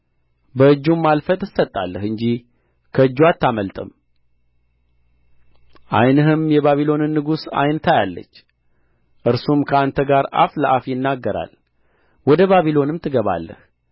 በእጅም አልፈህ ትሰጣለህ እንጂ ከእጁ አታመልጥም ዓይንህም የባቢሎንን ንጉሥ ዓይን ታያለች እርሱም ከአንተ ጋር አፍ ለአፍ ይናገራል ወደ ባቢሎንም ትገባለህ